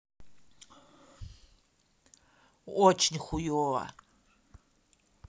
очень хуево